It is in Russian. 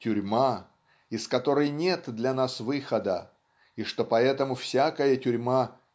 тюрьма, из которой нет для нас выхода, и что поэтому всякая тюрьма